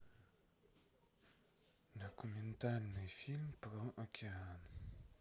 документальный фильм про океан